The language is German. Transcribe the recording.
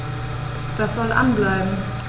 Das soll an bleiben.